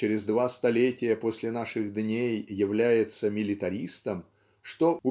через два столетия после наших дней является милитаристом что